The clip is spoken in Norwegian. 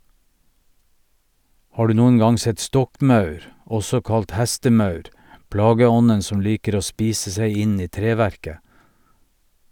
Har du noen gang sett stokkmaur, også kalt hestemaur, plageånden som liker å spise seg inn i treverket?